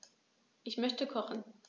Ich möchte kochen.